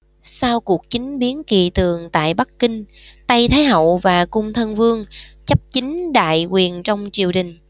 sau cuộc chính biến kỳ tường tại bắc kinh tây thái hậu và cung thân vương chấp chính đại quyền trong triều đình